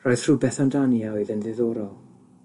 Roedd rhywbeth amdani a oedd yn ddiddorol,